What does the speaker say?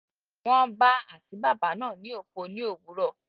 Wọ́n bá àtíbàbà náà ní òfo ní òwúrọ̀.